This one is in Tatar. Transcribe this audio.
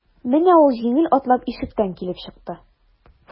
Менә ул җиңел атлап ишектән килеп чыкты.